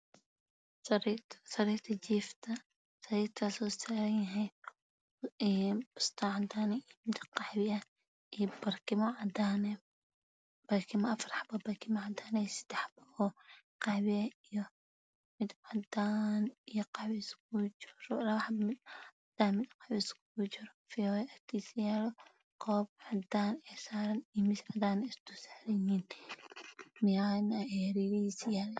Sariirta jiifka sariir taaso saaran yahay busto cadaan iyo qaxwi ah iyo barkimo cadaan ah afar barkimo cadaan ah iyo sedax xabo oo qaxwi ah iyo mid cadaan iyo qaxwi iskugu jiro laba xabo mid cadaan iyo qaxwi iskugu jiro fiyooraa aktiisa yaalo goob cadaan ayaa saaran iyo miis cadaan ayaa is dul saaran yihiin miraayad ayaa hareerihiisa yaalo